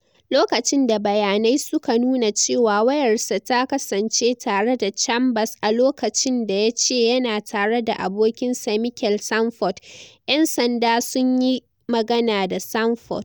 Lokacin da bayanai suka nuna cewa wayarsa ta kasance tare da Chambers 'a lokacin da ya ce yana tare da abokinsa Michael Sanford,' yan sanda sun yi magana da Sanford.